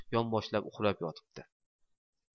yonboshida uxlab qolibdi